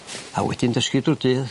A wedyn dysgu drw'r dydd.